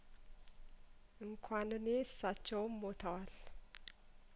እንኳን እኔ እሳቸውም ሞተዋል